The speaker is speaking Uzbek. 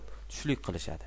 tushlik qilishadi